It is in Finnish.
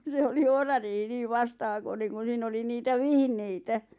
se oli ohrariihi niin vastahakoinen kun siinä oli niitä vihneitä